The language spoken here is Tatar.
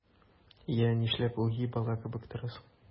Йә, нишләп үги бала кебек торасың?